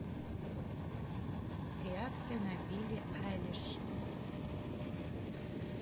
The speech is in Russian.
реакция на билли айлиш